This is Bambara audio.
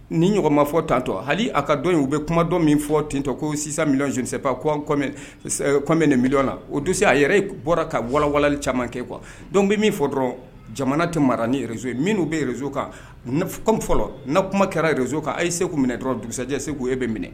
Ni ɲɔgɔn ma fɔ tantɔ hali a ka don yen u bɛ kumadɔ min fɔ tentɔ ko sisan mijsɛp nin mi la o dusu se a yɛrɛ bɔra ka wawaleli caman kɛ kuwa don bɛ min fɔ dɔrɔn jamana tɛ mara ni rezso ye minnu u bɛ zo kan fɔlɔ ne kuma kɛra rezo kan a ye segu minɛ dɔrɔn dususɛjɛ segu k' e bɛ minɛ